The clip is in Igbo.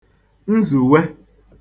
nzùwe